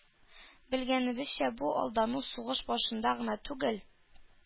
Белгәнебезчә, бу алдану сугыш башында гына түгел,